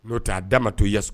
N'o' aa da ma t'o yasgo